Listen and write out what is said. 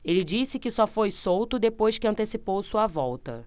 ele disse que só foi solto depois que antecipou sua volta